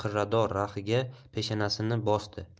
qirrador raxiga peshanasini bosdi